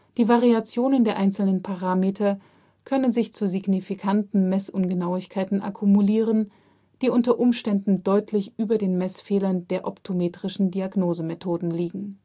Die Variationen der einzelnen Parameter können sich zu signifikanten Messungenauigkeiten akkumulieren, die unter Umständen deutlich über den Messfehlern der optometrischen Diagnosemethoden liegen